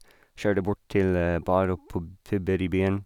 Kjører det bort til bar og påb puber i byen.